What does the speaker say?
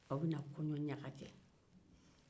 aw bena kɔɲɔ ɲaga kɛ